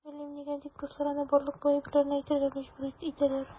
Белмим, нигә дип руслар аны барлык бу әйберләрне әйтергә мәҗбүр итәләр.